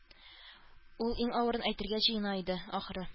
Ул иң авырын әйтергә җыена иде, ахры